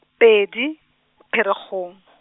pedi Pherekgong.